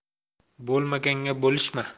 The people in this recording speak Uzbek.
bo'lmaganga bo'lishma